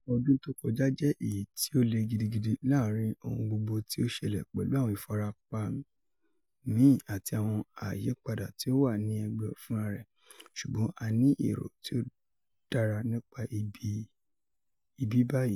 Ọdún tó kọjá jẹ́ èyí tí ó le gidigidi, láàrin ohun gbogbo tí ó ṣẹlẹ̀ pẹ̀lú àwọn ìfarapa mi àti àwọn àyípadà tí ó wà ní ẹgbẹ́ fúnrararẹ̀ ṣùgbọ́n a ní èrò tí ó dára nípa ibi báyìí.